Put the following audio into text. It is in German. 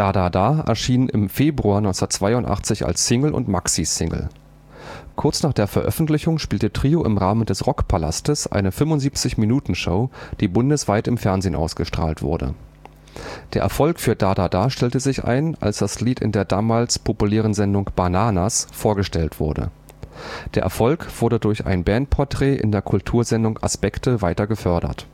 da da “erschien im Februar 1982 als Single und Maxi-Single. Kurz nach der Veröffentlichung spielte Trio im Rahmen des Rockpalastes eine 75-Minuten-Show, die bundesweit im Fernsehen ausgestrahlt wurde. Der Erfolg für „ Da da da “stellte sich ein, als das Lied in der damals populären Sendung „ Bananas “vorgestellt wurde. Der Erfolg wurde durch ein Bandportrait in der Kultursendung „ Aspekte “weiter gefördert